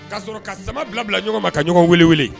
Ka sɔrɔ ka jama bila bila ɲɔgɔn ma ka ɲɔgɔn weele weele